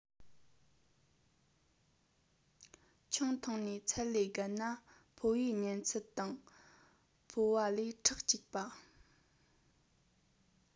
ཆང འཐུང ནས ཚད ལས བརྒལ ན ཕོ བའི གཉན ཚད དང ཕོ བ ལས ཁྲག སྐྱུག པ